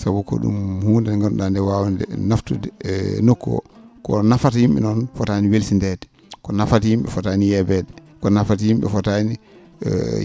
sabu ko ?um huunde nde nganndu?aa nde waawde naftude e nokku oo ko nafata yim?e noon fotaani welsindeede ko nafata yim?e fotaani yee?eede ko yim?e fotaani